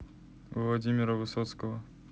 владимира высоцкого